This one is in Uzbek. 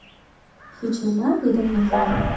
hech nima dedim yerga qarab